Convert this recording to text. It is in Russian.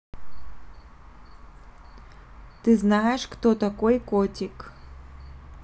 ты знаешь кто такой котик